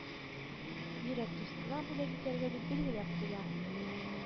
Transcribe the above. Йөрәк дустына бүләк итәргә дип билгеләп куя